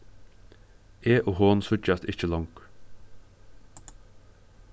eg og hon síggjast ikki longur